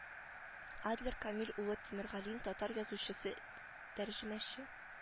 Адлер камил улы тимергалин татар язучысы тәрҗемәче